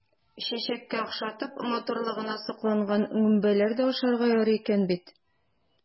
Чәчәккә охшатып, матурлыгына сокланган гөмбәләр дә ашарга ярый икән бит!